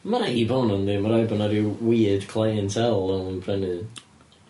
Ma' rai' bo' yndi, ma' raid bo' 'na ryw weird clientele yn prynu...